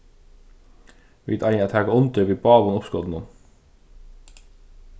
vit eiga at taka undir við báðum uppskotunum